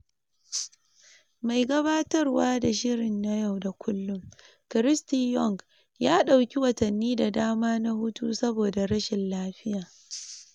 Mai gabatarwa da shirin na yau da kullum, Kirsty Young, ya dauki watanni da dama na hutu saboda rashin lafiya.